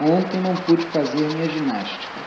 ontem não pude fazer minha ginástica